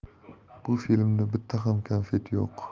bu filmda bitta ham 'konfet' yo'q